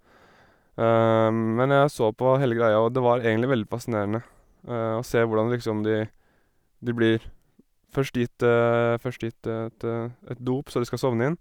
Men jeg så på hele greia, og det var egentlig veldig fascinerende å se hvordan liksom de de blir først gitt først gitt et et dop så de skal sovne inn.